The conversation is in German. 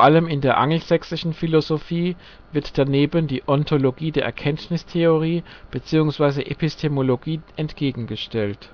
allem in der angelsächsischen Philosophie wird daneben die Ontologie der Erkenntnistheorie bzw. Epistemologie entgegengestellt.